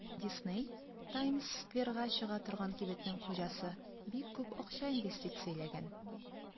Дисней (Таймс-скверга чыга торган кибетнең хуҗасы) бик күп акча инвестицияләгән.